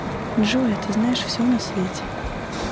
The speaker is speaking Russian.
джой а ты знаешь все на свете